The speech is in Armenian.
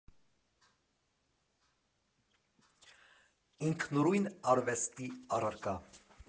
Ինքնուրույն արվեստի առարկա։